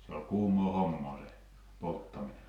se oli kuumaa hommaa se polttaminen